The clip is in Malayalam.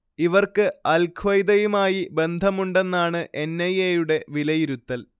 ഇവർക്ക് അൽ ഖ്വയ്ദയുമായി ബന്ധമുണ്ടെന്നാണ് എൻ. ഐ. എ യുടെ വിലയിരുത്തൽ